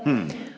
ja.